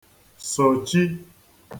sòchi